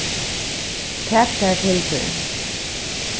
tak tær til tín